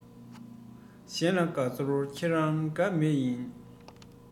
གང བྱས ལག པའི མཐིལ དུ གསལ ཡོང ངོ